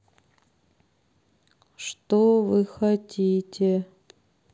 что вы хотите